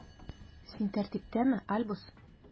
Син тәртиптәме, Альбус?